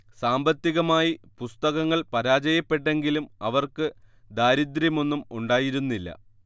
സാമ്പത്തികമായി പുസ്തകങ്ങൾ പരാജയപ്പെട്ടെങ്കിലും അവർക്ക് ദാരിദ്ര്യമൊന്നും ഉണ്ടായിരുന്നില്ല